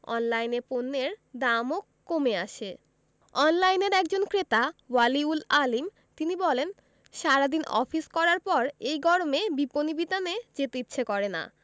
অনলাইনে পণ্যের দামও কমে আসে অনলাইনের একজন ক্রেতা ওয়ালি উল আলীম তিনি বলেন সারা দিন অফিস করার পর এই গরমে বিপণিবিতানে যেতে ইচ্ছে করে না